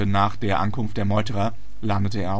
nach der Ankunft der Meuterer, landete